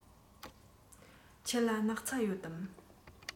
ཁྱེད ལ སྣག ཚ ཡོད དམ